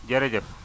jërëjëf